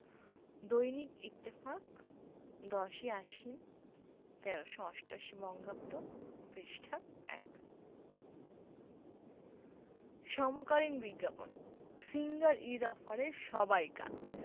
দৈনিক ইত্তেফাক ১০ই আশ্বিন ১৩৮৮ বঙ্গাব্দ পৃষ্ঠা – ১ সমকালীন বিজ্ঞাপন সিঙ্গার ঈদ অফারে সবাই কাত